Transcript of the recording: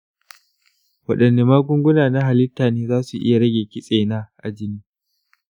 waɗanne magunguna na halitta ne za su iya rage kitsena a jini?